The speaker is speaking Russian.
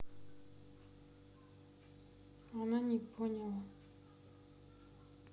она не поняла